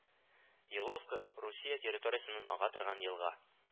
Еловка Русия территориясеннән ага торган елга